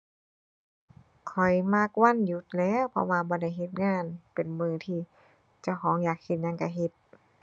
ข้อยมักวันหยุดแหล้วเพราะว่า บ่ได้เฮ็ดงาน เป็นมื้อที่เจ้าของอยากเฮ็ดหยังก็เฮ็ด